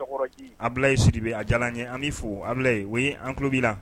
Sokɔrɔji, Abilaye Sidibe a diyara an ye an b'i fo Abilaye oui an tulo b'i la